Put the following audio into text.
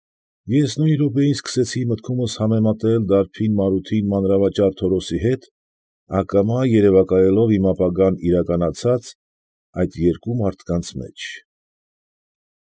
Ես նույն րոպեին սկսեցի մտքումս համեմատել դարբին Մարութին մանրավաճառ Թորոսի հետ, ակամա երևակայելով իմ ապագան իրականացած այդ երկու մարդկանց մեջ։